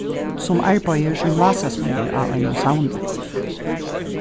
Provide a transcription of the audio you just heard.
sum arbeiðir sum lásasmiður á einum savni